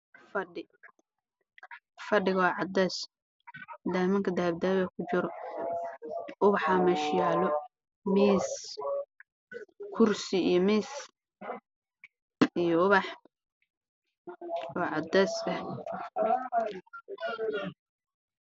Meeshan waa meel qol ah waxaa yaalo fadhi kuraas iyo miiskoodu yahay qaxwi